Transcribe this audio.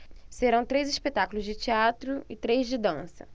serão três espetáculos de teatro e três de dança